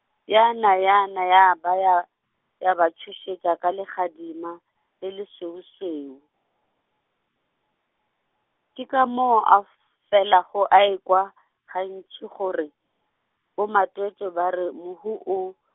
yana yana ya ba ya, ya ba tšhošetša ka legadima, le lešweušweu, ke ka moo a f- felago a ekwa, gantši gore, bomatwetwe ba re mohu o.